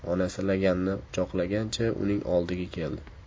onasi laganni quchoqlagancha uning oldiga keldi